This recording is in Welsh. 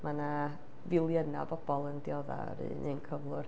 Ma' na' filiynau o bobl yn dioddef yr un un cyflwr.